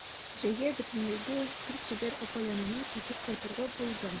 Җәйгә бөтенләйгә Гөлчибәр апа янына күчеп кайтырга булдым.